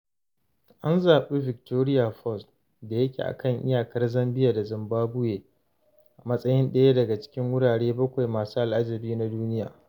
An zaɓi Victoria Falls da yake a kan iyakar Zambia da Zimbabwe a matsayin ɗaya daga cikin wurare bakwai masu al'ajabi na duniya.